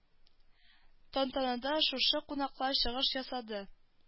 Тантанада шушы кунаклар чыгыш ясады